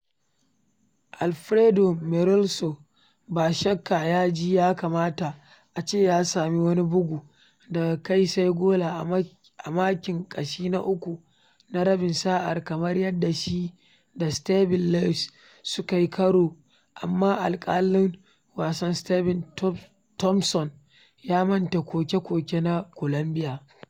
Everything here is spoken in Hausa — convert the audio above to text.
Alfredo Morelos ba shakka ya ji ya kamata a ce ya sami wani bugu daga kai sai gola a makin kashi na uku na rabin sa’a kamar yadda shi da Steven Lawless suka yi karo amma alƙalin wasa Steven Thomson ya manta koke-koke na Colombia.